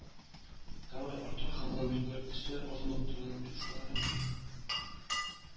Король Артур һәм аның түгәрәк өстәл артында утырган рыцарьлары